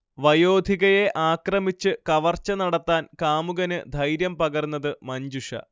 വയോധികയെ ആക്രമിച്ച് കവർച്ച നടത്താൻ കാമുകന് ധൈര്യം പകർന്നത് മഞ്ജുഷ